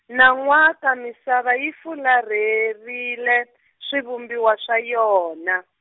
nan'waka misava yi fularherile, swivumbiwa swa yona.